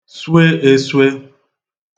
swe eswē